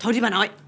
thôi đi bà nội